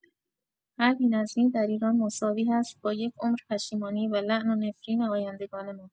هر بی‌نظمی در ایران مساوی هست با یک عمر پشیمانی و لعن و نفرین آیندگان ما